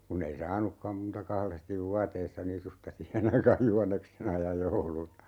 kun ei saanutkaan muuta kahdesti vuoteissa nisusta siihen aikaan juhannuksena ja jouluna